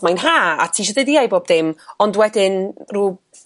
mai'n ha' a tisio d'eud ia i bob dim ond wedi r'w